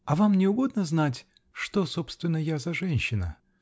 -- А вам не угодно знать, что собственно я за женщина?